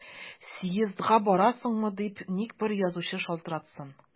Съездга барасыңмы дип ник бер язучы шалтыратсын!